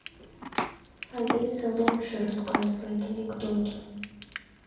алиса лучше рассказывает анекдоты